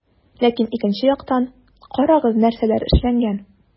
Ләкин икенче яктан - карагыз, нәрсәләр эшләнгән.